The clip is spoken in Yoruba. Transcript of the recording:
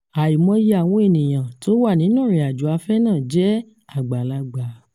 Àìmọye àwọn ènìyàn tí ó wà nínú ìrìnàjò afẹ́ náà jẹ́ àgbàlagbà.